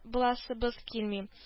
Буласыбыз килми